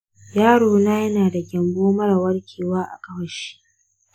yaro na yana da gyambo mara warkewa a ƙafanshi.